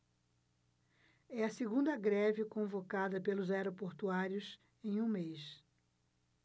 é a segunda greve convocada pelos aeroportuários em um mês